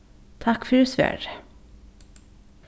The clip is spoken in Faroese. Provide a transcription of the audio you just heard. takk fyri svarið